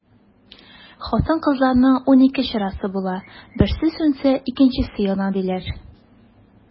Хатын-кызларның унике чырасы була, берсе сүнсә, икенчесе яна, диләр.